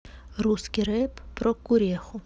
русский рэп про куреху